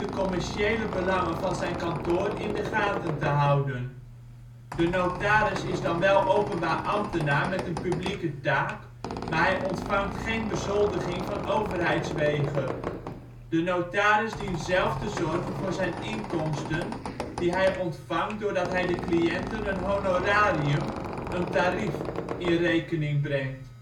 commerciële belangen van zijn kantoor in de gaten te houden. De notaris is dan wel openbaar ambtenaar met een publieke taak, maar hij ontvangt geen bezoldiging van overheidswege. De notaris dient zelf te zorgen voor zijn inkomsten die hij ontvangt doordat hij de cliënten een honorarium (een ' tarief ') in rekening brengt